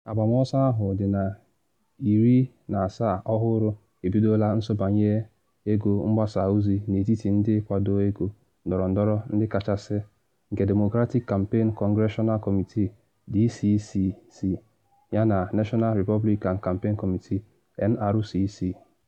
Agbamọsọ ahụ dị na 17th ọhụrụ ebidola nsọbanye ego mgbasa ozi n’etiti ndi nkwado ego ndọrọndọrọ ndi kachasi, nke Democratic Campaign Congressional Committee (DCCC) yana National Republican Campaign Committee (NRCC).